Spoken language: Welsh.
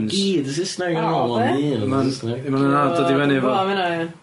On' mae gyd yn Sysneg ar ôl Ma'n anodd dod i fyny efo...